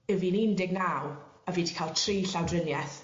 'yf fi'n un deg naw a fi 'di ca'l tri llawdrinieth